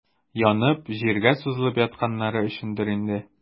Янып, җиргә сузылып ятканнары өчендер инде.